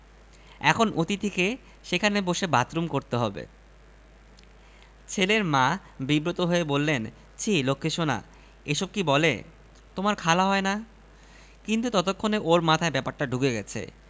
সমগ্র দর্শক দারুণ টেনশনে ঘটনার পরিণতির জন্যে অপেক্ষা করছে বেকায়দা পরিস্থিতির ব্যাখ্যার জন্যে আবার শিশুদের কাছে ফিরে যাই আমার ধারণা এবং বদ্ধমূল বিশ্বাস